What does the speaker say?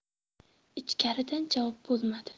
ichkaridan javob bo'lmadi